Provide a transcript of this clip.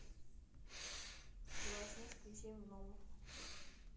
белоснежка и семь гномов